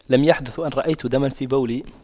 لم يحدث أن رأيت دما في بولي